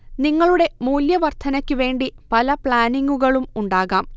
നിങ്ങളുടെ മൂല്യ വർദ്ധനക്ക് വേണ്ടി പല പ്ലാനിങ്ങുകളും ഉണ്ടാകാം